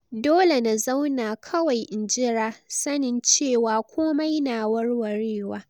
Dole na zauna kawai in jira, sanin cewa komai na warwarewa.